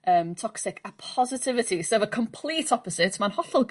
Yym toxic a positivity sef y complete opposite ma'n hollol